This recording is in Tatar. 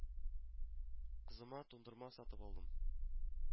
Кызыма туңдырма сатып алдым